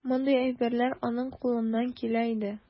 Мондый әйберләр аның кулыннан килә иде.